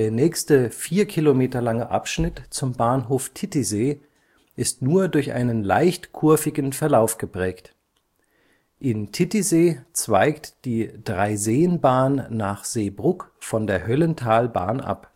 nächste vier Kilometer lange Abschnitt zum Bahnhof Titisee ist nur durch einen leicht kurvigen Verlauf geprägt. In Titisee zweigt die Dreiseenbahn nach Seebrugg von der Höllentalbahn ab